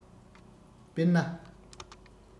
དཔེར ན